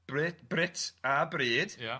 Brit, Brit a Bryd... Ia.